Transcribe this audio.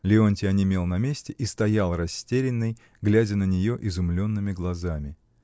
Леонтий онемел на месте и стоял растерянный, глядя на нее изумленными глазами.